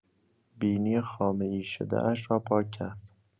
بینی خامه‌ای‌شده‌اش را پاک کرد.